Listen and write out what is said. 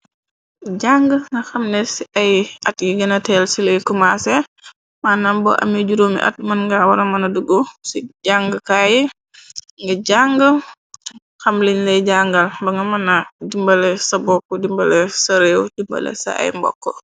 jàng nga xamne ci ay at gi gëna teel ci ley kumaasé mànnam bo ame juróomi at mën nga wara mëna duggu ci jàngkaaye nga jàng xamliñle jangal ba nga mëna dimbale sa bokk dimbale ca réew dimbale ca ay mbokk.